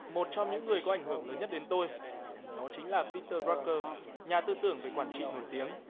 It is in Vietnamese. một trong những người có ảnh hưởng lớn nhất đến tôi đó chính là bi tờ róc cờ nhà tư tưởng về quản trị nổi tiếng